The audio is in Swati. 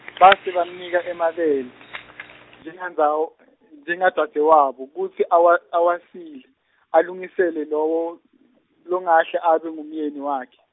base bamnika emabele, njengadzawo- , njengadzadzewabo kutsi awa awasile , alungisele lowo longahle abe ngumyeni wakhe.